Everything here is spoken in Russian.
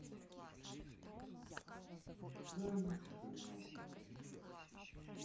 официальный канал